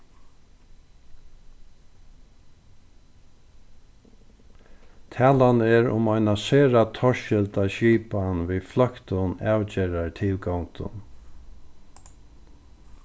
talan er um eina sera torskilda skipan við fløktum avgerðartilgongdum